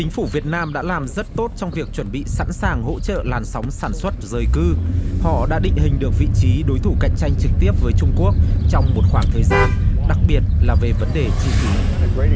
chính phủ việt nam đã làm rất tốt trong việc chuẩn bị sẵn sàng hỗ trợ làn sóng sản xuất dời cư họ đã định hình được vị trí đối thủ cạnh tranh trực tiếp với trung quốc trong một khoảng thời gian đặc biệt là về vấn đề chi phí